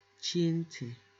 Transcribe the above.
chi ntị̀